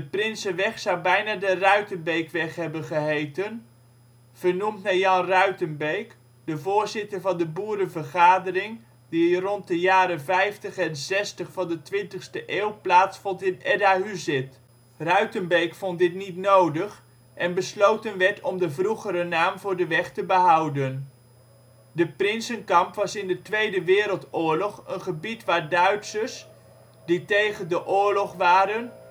Prinsenweg zou bijna de Ruitenbeekweg hebben geheten, vernoemd naar Jan Ruitenbeek, de voorzitter van de boerenvergadering die rond de jaren ' 50 en ' 60 van de twintigste eeuw plaatsvond in " Edda Huzid ". Ruitenbeek vond dit niet nodig en besloten werd om de vroegere naam voor de weg te behouden. De Prinsenkamp was in de Tweede Wereldoorlog een gebied waar Duitsers (die tegen de oorlog waren), verzetsstrijders